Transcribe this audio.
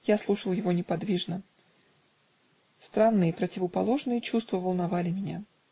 Я слушал его неподвижно; странные, противуположные чувства волновали меня.